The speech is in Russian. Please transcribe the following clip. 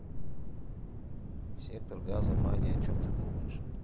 сектор газа mania о чем ты думаешь